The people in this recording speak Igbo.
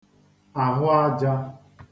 àhụajā